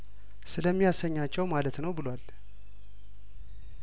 ስለሚ ያሰኛቸው ማለት ነው ብሏል